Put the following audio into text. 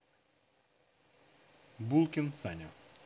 булкин саня